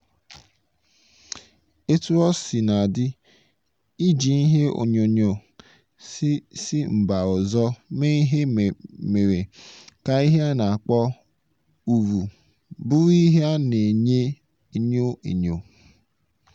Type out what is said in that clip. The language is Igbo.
Etuosinadị, iji ihe onyonyo si mba ọzọ mee ihe mere ka ihe a na-akpọ "uru" bụrụ ihe a na-enyo enyo.